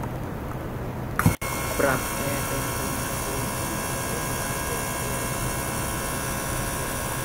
ปรับแอร์เป็นอุณหภูมิยี่สิบองศาเซลเซียส